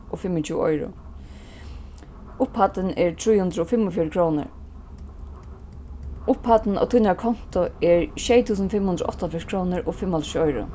og fimmogtjúgu oyru upphæddin er trý hundrað og fimmogfjøruti krónur upphæddin á tínari kontu er sjey túsund fimm hundrað og áttaoghálvfjerðs krónur og fimmoghálvtrýss oyru